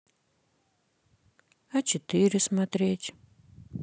а четыре смотреть